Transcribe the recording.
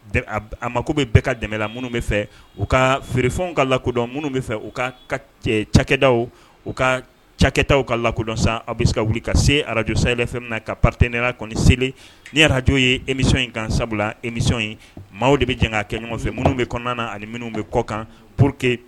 A mako bɛ bɛɛ ka dɛmɛla minnu bɛ fɛ u ka feerefɛnw ka lakodɔn minnu bɛ fɛ u ka cakɛda u ka cakɛda ka lakɔdɔn san aw bɛ se ka wuli ka se arajo sayfɛ min na ka pate n ne kɔni seli ni ararajo ye emisɔn in kan sabula emi ye maaw de bɛ jan kɛ ɲɔgɔnfɛ minnu bɛ kɔnɔna na ani minnu bɛ kɔkan po que